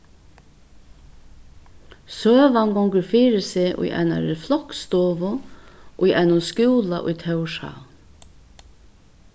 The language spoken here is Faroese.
søgan gongur fyri seg í einari floksstovu í einum skúla í tórshavn